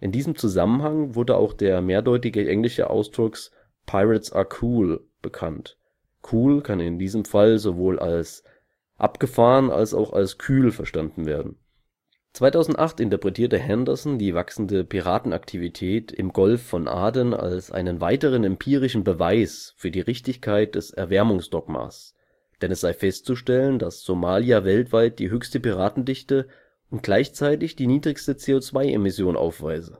diesem Zusammenhang wurde auch der mehrdeutige, englische Ausdruck „ Pirates are cool! “bekannt, cool kann in diesem Falle sowohl als abgefahren als auch als kühl verstanden werden. 2008 interpretierte Henderson die wachsende Piraten-Aktivität am Golf von Aden als einen weiteren empirischen Beweis für die Richtigkeit des Erderwärmungs-Dogmas, denn es sei festzustellen, dass Somalia weltweit die höchste Piraten-Dichte und gleichzeitig die niedrigste CO2-Emission aufweise